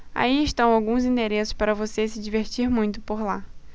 aí estão alguns endereços para você se divertir muito por lá